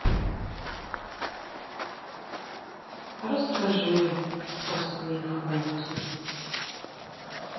расскажи про свои функции